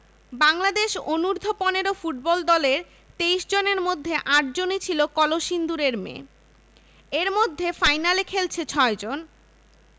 বাংলাদেশ অনূর্ধ্ব ১৫ ফুটবল দলের ২৩ জনের মধ্যে ৮ জনই ছিল কলসিন্দুরের মেয়ে এর মধ্যে ফাইনালে খেলেছে ৬ জন